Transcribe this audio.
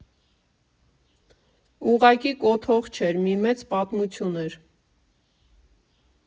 Ուղղակի կոթող չէր, մի մեծ պատմություն էր։